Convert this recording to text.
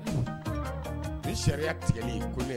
Ni sariya tigɛ ko